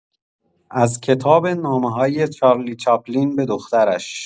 از کتاب نامه‌های چارلی چاپلین به دخترش